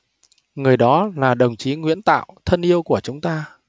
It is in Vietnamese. người đó là đồng chí nguyễn tạo thân yêu của chúng ta